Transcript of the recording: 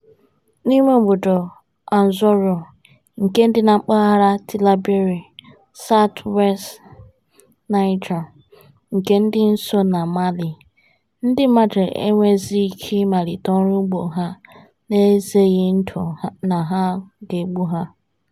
N'imeobodo Anzourou, nke dị na mpaghara Tillabéri [south-west Niger, nke dị nso na Mali], ndị mmadụ enweghịzi ike ịmalite ọrụ ugbo ha n'ezeghịndụ na ha ga-egbu ha.